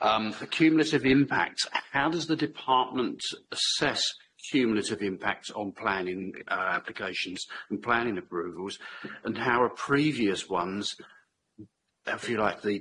Yym. The cumulative impact, how does the department assess cumulative impact on planning, uh, applications and planning approvals, and how are previous ones, if you like,